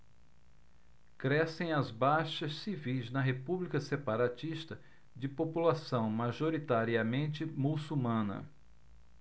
crescem as baixas civis na república separatista de população majoritariamente muçulmana